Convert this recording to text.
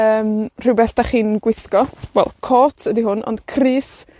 yym, rhwbeth 'dach chi'n gwisgo. Wel cot ydi hwn, ond crys.